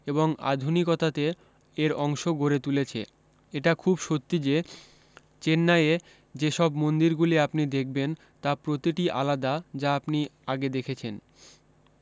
এবং আধুনিকতাতে এর অংশ গড়ে তুলেছে এটা খুব সত্যি যে চেন্নাইে যে সব মন্দিরগুলি আপনি দেখবেন তা প্রতিটি আলাদা যা আপনি আগে দেখেছেন